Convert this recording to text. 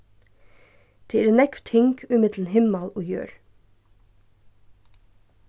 tað eru nógv ting ímillum himmal og jørð